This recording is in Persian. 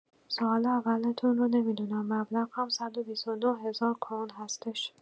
سوال اولتون رو نمی‌دونم مبلغ هم ۱۲۹ هزار کرون هستش